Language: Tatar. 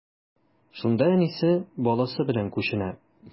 Шунда әнисе, баласы белән күченә.